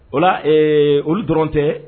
Ola, ee, olu dɔrɔn tɛ